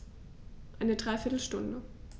Eine dreiviertel Stunde